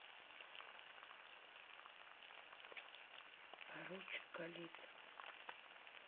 поручик голицын